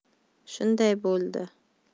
shunday bo'ldi